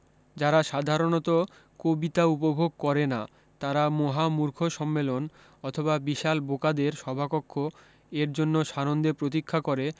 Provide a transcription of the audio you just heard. যারা সাধারণত কবিতা উপভোগ করে না তারা মহা মূর্খ সম্মেলন অথবা বিশাল বোকাদের সভাকক্ষ এর জন্য সানন্দে প্রতীক্ষা করে